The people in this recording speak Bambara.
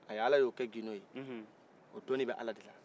a yi ala y'o kɛ gindo ye o dɔni bɛ ala dela